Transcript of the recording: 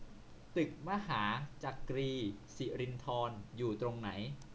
ตึกมหาจักรีสิรินธรอยู่ตรงไหน